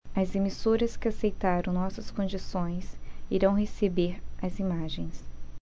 as emissoras que aceitaram nossas condições irão receber as imagens